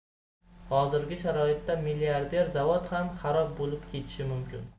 hozirgi sharoitda milliarder zavod ham xarob bo'lib ketishi mumkin